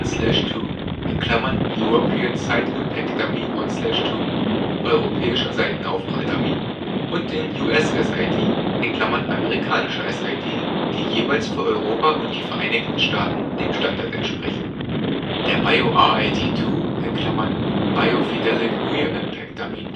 1/2 (European Side Impact Dummy 1/2; Europäischer Seitenaufprall-Dummy) und den US-SID (amerikanischer SID), die jeweils für Europa und die Vereinigten Staaten dem Standard entsprechen. Der BioRID II (Biofidelic Rear Impact Dummy